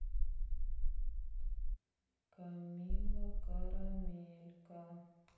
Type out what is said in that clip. камилла карамелька